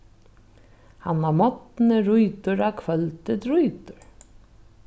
hann á morgni rýtir á kvøldi drítur